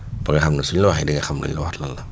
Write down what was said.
ba nga xam ne su ñu la waxee di nga xam luñ la wax lan la